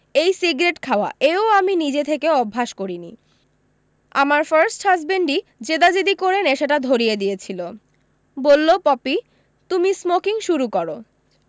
এই সিগ্রেট খাওয়া এও আমি নিজে থেকে অভ্যাস করিনি আমার ফার্স্ট হাজবেন্ডি জেদাজেদি করে নেশাটা ধরিয়ে দিয়েছিলো বললো পপি তুমি স্মোকিং শুরু করো